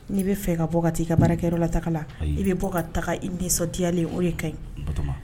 N'i bɛ fɛ ka bɔ ka taa i ka baarakɛyɔrɔ la ta i bɛ bɔ ka taa i ni nisɔndiyayalen o ye ka ɲi